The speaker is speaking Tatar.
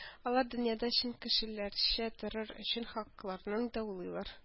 Алар дөньяда чын кешеләрчә торыр өчен хакларын даулыйлар